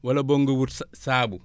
wala boog nga wut sa saabu